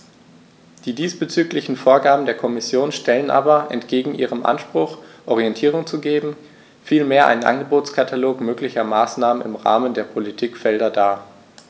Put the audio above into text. Die diesbezüglichen Vorgaben der Kommission stellen aber entgegen ihrem Anspruch, Orientierung zu geben, vielmehr einen Angebotskatalog möglicher Maßnahmen im Rahmen der Politikfelder dar.